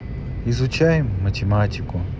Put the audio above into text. изучаем математику